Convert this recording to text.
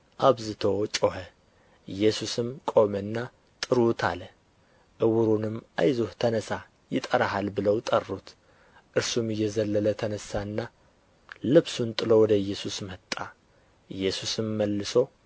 አብዝቶ ጮኸ ኢየሱስም ቆመና ጥሩት አለ ዕውሩንም አይዞህ ተነሣ ይጠራሃል ብለው ጠሩት እርሱም እየዘለለ ተነሣና ልብሱን ጥሎ ወደ ኢየሱስ መጣ ኢየሱስም መልሶ